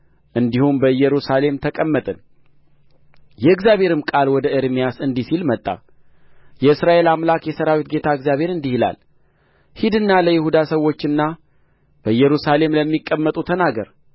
እንዲሁም በኢየሩሳሌም ተቀመጥን የእግዚአብሔርም ቃል ወደ ኤርምያስ እንዲህ ሲል መጣ የእስራኤል አምላክ የሠራዊት ጌታ እግዚአብሔር እንዲህ ይላል ሂድና ለይሁዳ ሰዎችና በኢየሩሳሌም ለሚቀመጡ ተናገር